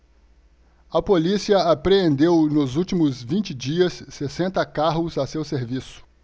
a polícia apreendeu nos últimos vinte dias sessenta carros a seu serviço